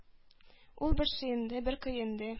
Ул бер сөенде, бер көенде.